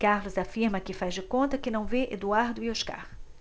carlos afirma que faz de conta que não vê eduardo e oscar